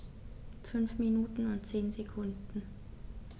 5 Minuten und 10 Sekunden